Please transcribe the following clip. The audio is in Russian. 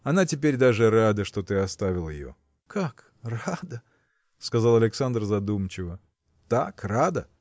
– Она теперь даже рада, что ты оставил ее. – Как, рада! – сказал Александр задумчиво. – Так, рада.